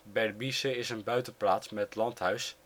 Berbice is een buitenplaats met landhuis